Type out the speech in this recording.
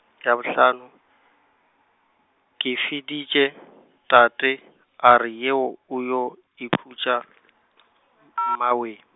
ya bohlano , ke feditše tate, a re yeo o yo ikhutša , mmawee.